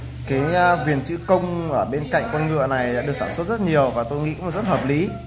cái viền chữ công bên cạnh con ngựa này được sản xuất rất nhiều và tôi nghĩ cũng rất hợp lý